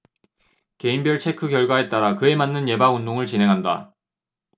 개인별 체크 결과에 따라 그에 맞는 예방 운동을 진행한다